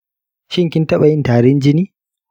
shin kin tabayin tarin jini?